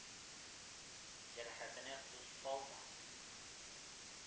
Җәрәхәтенә тоз салма“,